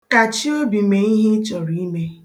Kachie obi na-eme ihe ị chọrọ ime.